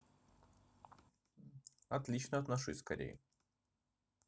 отлично отношусь скорее